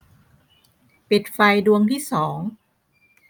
ปิดไฟดวงที่สอง